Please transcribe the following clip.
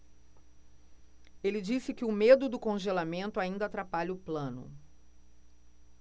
ele disse que o medo do congelamento ainda atrapalha o plano